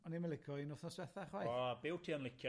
o'n i 'im yn lico un wthnos dwetha chwaith. O be wt ti yn licio...